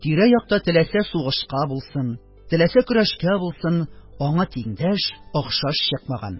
Тирә-якта теләсә сугышка булсын, теләсә көрәшкә булсын, аңа тиңдәш, охшаш чыкмаган.